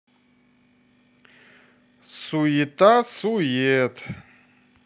суета сует